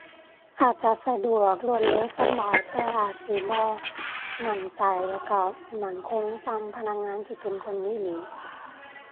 อาจจะสะดวก รวดเร็ว สำบาย แต่อาจสิบ่มั่นใจ แล้วก็มั่นคงส่ำพนักงานที่เป็นคนอีหลี